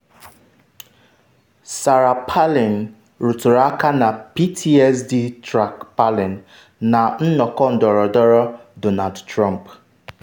Sarah Palin rụtụrụ aka na PTSD Track Palin na nnọkọ ndọrọndọrọ Donald Trump.